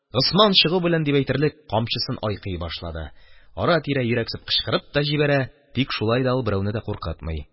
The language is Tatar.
Госман, чыгу белән дип әйтерлек, камчысын айкый башлады, ара-тирә йөрәксеп кычкырып та җибәрә, тик шулай да ул берәүне дә куркытмый.